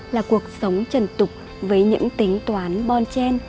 là cuộc sống trần tục với những tính toán bon chen